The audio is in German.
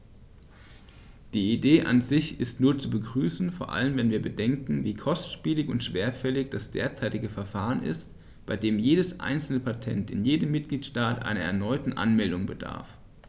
Die Idee an sich ist nur zu begrüßen, vor allem wenn wir bedenken, wie kostspielig und schwerfällig das derzeitige Verfahren ist, bei dem jedes einzelne Patent in jedem Mitgliedstaat einer erneuten Anmeldung bedarf.